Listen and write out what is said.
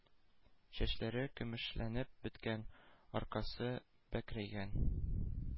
Чәчләре көмешләнеп беткән, аркасы бөкрәйгән,